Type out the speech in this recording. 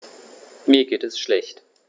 Mir geht es schlecht.